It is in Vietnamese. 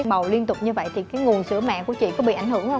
bầu liên tục như vậy thì cái nguồn sữa mẹ của chị có bị ảnh hưởng không